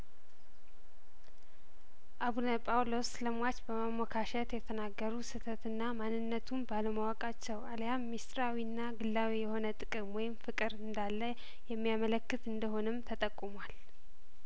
አቡነ ጳውሎስ ስለሟች በማሞካሸት የተናገሩት ስህተትና ማንነቱን ባለማወቃቸው አልያም ምስጢራዊና ግላዊ የሆነ ጥቅም ወይም ፍቅር እንዳለየሚ ያመለክት እንደሆነም ተጠቁሟል